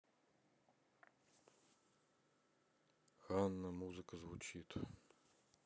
ханна музыка звучит